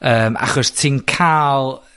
Yym achos ti'n ca'l